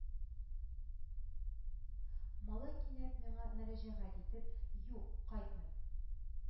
Малай кинәт миңа мөрәҗәгать итеп: – юк, кайтмыйм